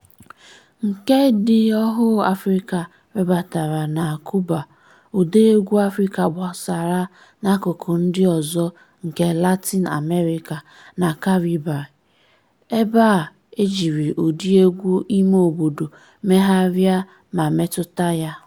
Nke ndịohu Afrịka webatara na Cuba, ụdaegwu Afrịka gbasara n'akụkụ ndị ọzọ nke Latin America na Caribbean, ebe e jiri ụdị egwu imeobodo megharị ma metụta ya.